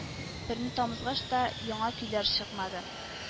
Берне тамызгач та яңа көйләр чыкмады